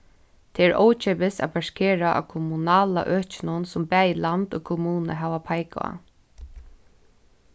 tað er ókeypis at parkera á kommunala økinum sum bæði land og komuna hava peikað á